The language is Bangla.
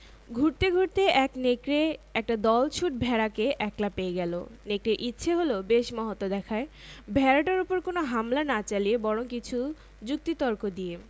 সঙ্গে ফ্রিজ বা ফ্রিজার ক্রেতাদের জন্য থাকছে ০% ইন্টারেস্টে ৬ মাস পর্যন্ত নগদ মূল্য পরিশোধ এবং ১২ মাস পর্যন্ত সহজ কিস্তি সুবিধা